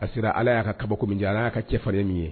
A sera ala y'a ka kaba bɔko min jɛ ala y'a ka cɛfarin min ye